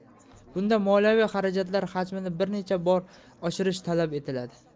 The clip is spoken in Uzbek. bunda moliyaviy xarajatlar hajmini bir necha bor oshirish talab etiladi